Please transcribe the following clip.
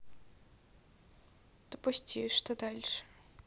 допусти что дальше